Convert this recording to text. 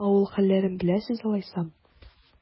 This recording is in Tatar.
Авыл хәлләрен беләсез алайса?